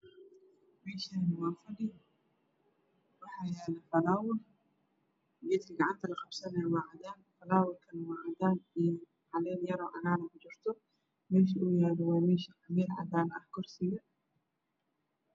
Meshani waa fadhi waxayalo falwar geedka gacanta laqabsanayo waa cadan falawarka waa cadan io calen oo cagar ah ayaa kujirto mesh oo yalo waa mel cadan ah